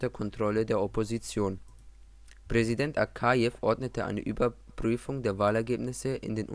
Kontrolle der Opposition. Präsident Akajew ordnete eine Überprüfung der Wahlergebnisse in den Unruheregionen